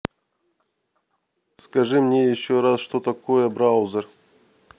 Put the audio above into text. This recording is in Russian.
скажи мне еще раз что такое браузер